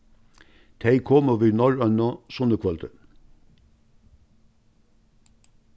tey komu við norrønu sunnukvøldið